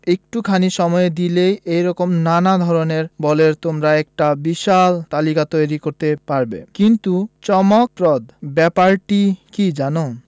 একটুখানি সময় দিলেই এ রকম নানা ধরনের বলের তোমরা একটা বিশাল তালিকা তৈরি করতে পারবে কিন্তু চমকপ্রদ ব্যাপারটি কী জানো